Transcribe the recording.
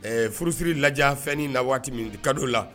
Ɛɛ furusi lajafɛn ni na waati mun ka di o la?